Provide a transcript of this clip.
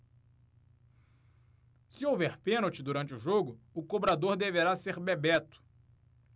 se houver pênalti durante o jogo o cobrador deverá ser bebeto